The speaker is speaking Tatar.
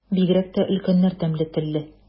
Бигрәк тә өлкәннәр тәмле телле.